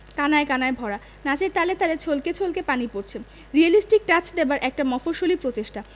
কানায় কানায় ভরা নাচের তালে তালে ছলকে ছলকে পানি পড়ছে রিয়েলিস্টিক টাচ্ দেবার একটা মফস্বলী প্রচেষ্টা